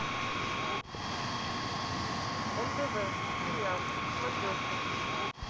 нтв сериал смотрешка